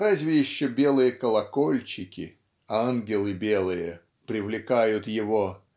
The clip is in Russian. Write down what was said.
Разве еще белые колокольчики, "ангелы белые", привлекают его